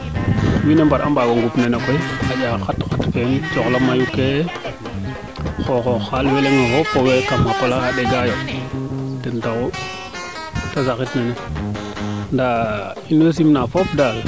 wiin we mba'a mbaago ngup nene koy xanja xat xat fee yit coxla mayu ke xoxoox qala xe fop oway kama qola xe a ndegaayo ten taxu te saxit nene ndaa in way simna fop daal